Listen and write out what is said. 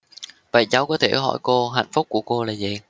vậy cháu có thể hỏi cô hạnh phúc của cô là gì